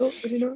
O, ydw i 'na?